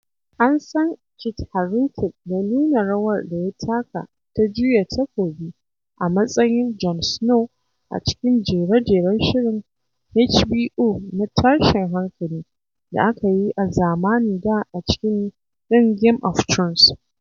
An san Kit Harington da nuna rawar da ya taka ta juya takobi a matsayin Jon Snow a cikin jere-jeren shirin HBO na tashin hankali da aka yi a zamanin da a cikin din Game of Thrones.